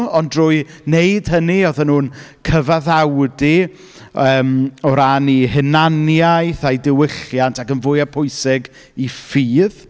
Ond drwy wneud hynny oedden nhw'n cyfaddawdu, yym o ran eu hunaniaeth a'u diwylliant ac yn fwya pwysig, eu ffydd.